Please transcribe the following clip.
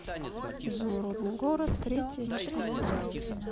изумрудный город третья часть